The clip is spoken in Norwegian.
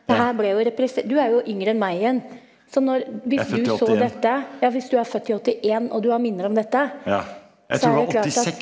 det her ble jo du er jo yngre enn meg igjen, så når hvis du så dette ja hvis du er født i 81 og du har minner om dette så er det klart at.